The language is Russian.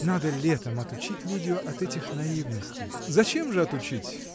Надо летом отучить Лидию от этих наивностей. — Зачем же отучить?